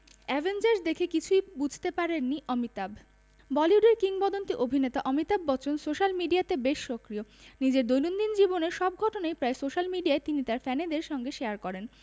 Avengers দেখে কিছুই বুঝতে পারেননি অমিতাভ বলিউডের কিংবদন্তী অভিনেতা অমিতাভ বচ্চন সোশ্যাল মিডিয়াতে বেশ সক্রিয় নিজের দৈনন্দিন জীবনের সব ঘটনাই প্রায় সোশ্যাল মিডিয়ায় তিনি তার ফ্যানেদের সঙ্গে শেয়ার করেন